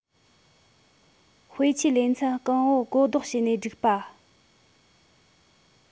དཔེ ཆའི ལེ ཚན གོང འོག གོ ལྡོག བྱས ནས བསྒྲིགས པ